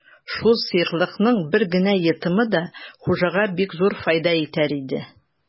Шул сыеклыкның бер генә йотымы да хуҗага бик зур файда итәр иде.